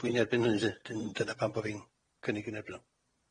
Dwi'n erbyn hynny 'lly. 'Dyn dyna pam bo' fi'n cynnig yn erbyn o.